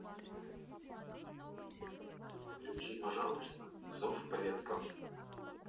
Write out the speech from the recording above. включи пожалуйста зов предков